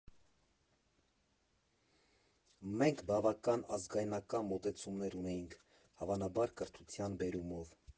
Մենք բավական ազգայնական մոտեցումներ ունեինք, հավանաբար կրթության բերումով։